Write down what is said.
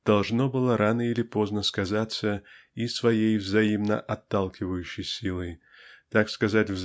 должно было рано или поздно сказаться и своей взаимно-отталкивающей силой так сказать